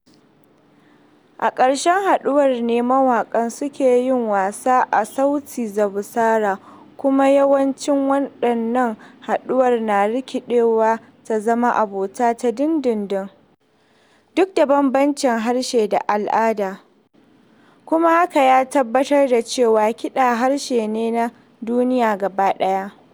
A ƙarshen "haɗuwar" ne mawaƙan suke yin wasa a Sauti za Busara kuma yawancin wannan haɗuwar na rikiɗewa ta zama abota ta dindindin duk da bambamcin harshe da al'ada, kuma hakan ya tabbatar da cewa kiɗa harshe ne na duniya gaba ɗaya.